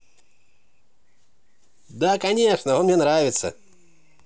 да конечно он мне нравится